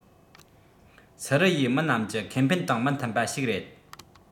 སི རི ཡའི མི རྣམས ཀྱི ཁེ ཕན དང མི མཐུན པ ཞིག རེད